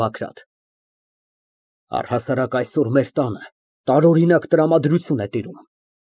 ԲԱԳՐԱՏ ֊ Առհասարակ այսօր մեր տանը տարօրինակ տրամադրություն է տիրում։